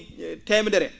?e teemedere